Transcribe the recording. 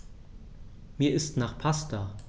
Mir ist nach Pasta.